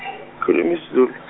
ngikhulum' is'Zulu.